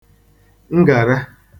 ngàra